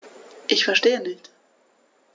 Ich verstehe nicht.